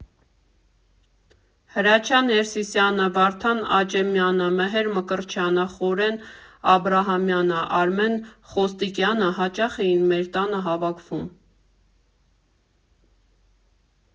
Հրաչյա Ներսիսյանը, Վարդան Աճեմյանը, Մհեր Մկրտչյանը, Խորեն Աբրահամյանը, Արմեն Խոստիկյանը հաճախ էին մեր տանը հավաքվում։